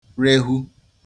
rehu